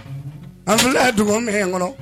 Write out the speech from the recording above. An dugaw min kɔnɔ